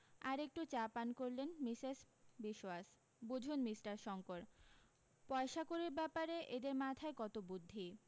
আর একটু চা পান করলেন মিসেস বিশোয়াস বুঝুন মিষ্টার শংকর পয়সা কড়ির ব্যাপারে এদের মাথায় কত বুদ্ধি